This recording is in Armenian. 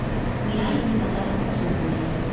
«Միայն մի մտահոգություն ունեի.